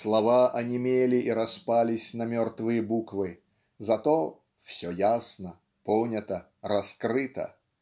Слова онемели и распались на мертвые буквы зато "все ясно понято раскрыто"